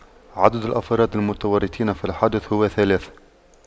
عدد الأفراد المتورطين في الحادث هو ثلاثة